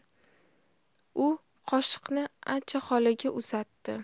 u qoshiqni acha xolaga uzatdi